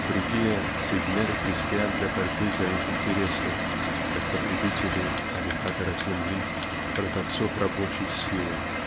Другие -- соединяли крестьян для борьбы за их интересы как потребителей арендаторов земли продавцов рабочей силы